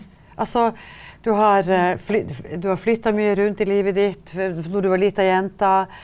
altså du har du har flytta mye rundt i livet ditt når du var liten jente.